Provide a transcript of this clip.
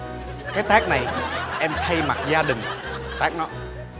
cái tát này em thay mặt gia đình tát nó